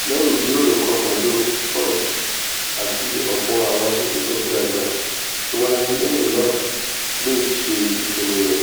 Lẹ́yìn ìjíròrò kan pẹ̀lú Coons àti ọ̀pọ̀ àwọn aṣojú-ṣòfin àgbà tówáyé lẹ́yìn náà, Flakes ṣe ìpinnu rẹ̀.